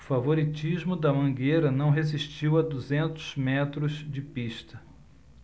o favoritismo da mangueira não resistiu a duzentos metros de pista